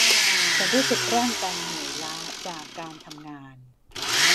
ฉันรู้สึกร่างกายเหนื่อยล้าจากการทำงาน